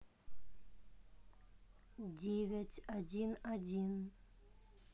девять один один